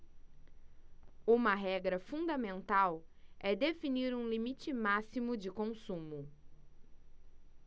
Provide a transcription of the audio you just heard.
uma regra fundamental é definir um limite máximo de consumo